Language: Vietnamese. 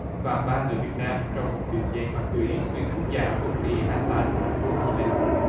và ba người việt nam trong một đường dây ma túy xuyên quốc gia ở công ty ha san thành phố hồ chí minh